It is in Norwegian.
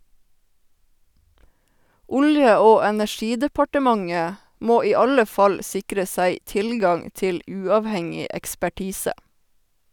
Olje- og energidepartementet må i alle fall sikre seg tilgang til uavhengig ekspertise.